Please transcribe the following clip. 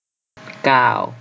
เก้า